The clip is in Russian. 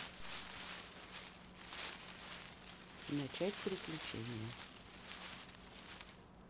начать приключения